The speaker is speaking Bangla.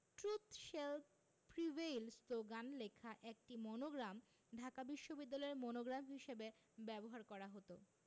ট্রুত শেল প্রিভেইল শ্লোগান লেখা একটি মনোগ্রাম ঢাকা বিশ্ববিদ্যালয়ের মনোগ্রাম হিসেবে ব্যবহার করা হতো